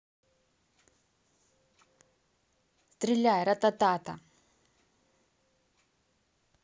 стреляй рататата